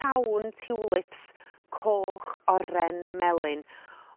llawn tulips coch oren melyn